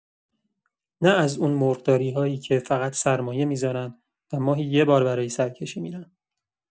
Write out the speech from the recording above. نه از اون مرغدارهایی که فقط سرمایه می‌ذارن و ماهی یه بار برای سرکشی می‌رن.